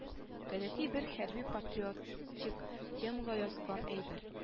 Гадәти бер хәрби-патриотик темага язылган әйбер